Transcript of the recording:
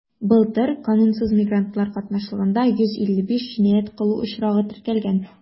Былтыр канунсыз мигрантлар катнашлыгында 155 җинаять кылу очрагы теркәлгән.